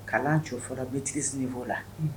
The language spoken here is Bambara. Kalan jɔ fɔlɔ bitirisifɔ la